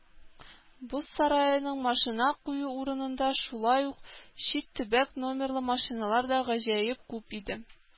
Боз сараеның машина кую урынында шулай ук чит төбәк номерлы машиналар да гаҗәеп күп иде.